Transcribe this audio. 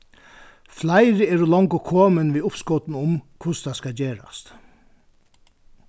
fleiri eru longu komin við uppskotum um hvussu tað skal gerast